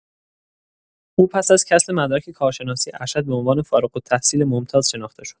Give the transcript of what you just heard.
او پس از کسب مدرک کارشناسی‌ارشد، به عنوان فارغ‌التحصیل ممتاز شناخته شد.